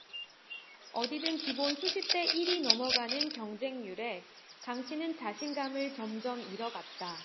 어디든 기본 수십대 일 이 넘어가는 경쟁률에 강 씨는 자신감을 점점 잃어 갔다